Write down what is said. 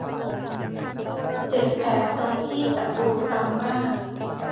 เจ็บแผลตรงที่ตะปูตำมาก